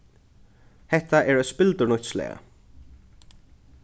hetta er eitt spildurnýtt slag